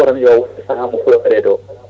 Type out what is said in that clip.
*